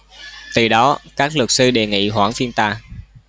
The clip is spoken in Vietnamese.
từ đó các luật sư đề nghị hoãn phiên tòa